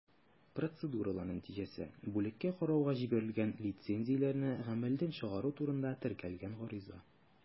Процедуралар нәтиҗәсе: бүлеккә карауга җибәрелгән лицензияләрне гамәлдән чыгару турында теркәлгән гариза.